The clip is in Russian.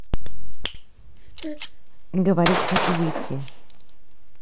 говорите хочу выйти